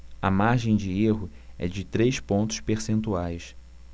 a margem de erro é de três pontos percentuais